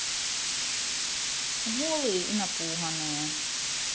голые и напуганные